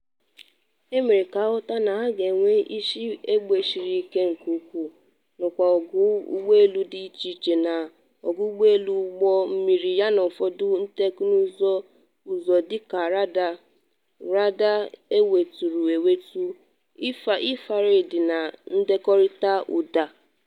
Emere ka aghọta na ha ga-enwe isi egbe siri ike nke ukwuu, ngwa ọgụ ụgbọ elu dị iche iche na ogbunigwe ụgbọ mmiri yana ụfọdụ teknụzụ nzuzo, dị ka radar eweturu ewetu, infrared na ndakọrịta ụda.